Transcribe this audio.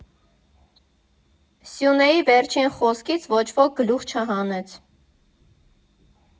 Սյունեի վերջին խոսքից ոչ ոք գլուխ չհանեց։